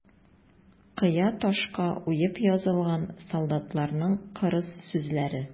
Кыя ташка уеп язылган солдатларның кырыс сүзләре.